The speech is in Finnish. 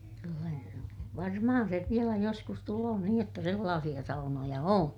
kyllä varmaan sen vielä joskus tulee niin jotta sellaisia saunoja on